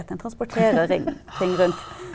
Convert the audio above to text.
den transporterer ting rundt.